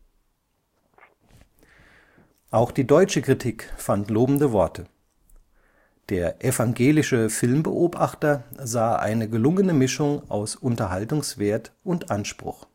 Auch die deutsche Kritik fand lobende Worte. Der Evangelische Filmbeobachter sah eine gelungene Mischung aus Unterhaltungswert und Anspruch